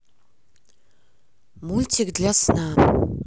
мультик для сна